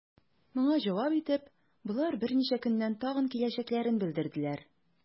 Моңа җавап итеп, болар берничә көннән тагын киләчәкләрен белдерделәр.